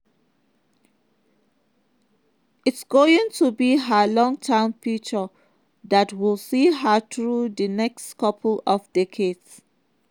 It was going to be her long-term future that would see her through the next couple of decades.